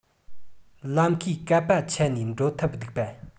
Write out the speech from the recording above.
ལམ ཁའི གད པ ཆད ནས འགྲོ ཐབས རྡུགས པ